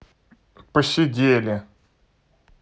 посидели